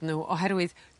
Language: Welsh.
n'w oherwydd